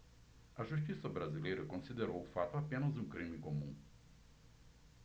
a justiça brasileira considerou o fato apenas um crime comum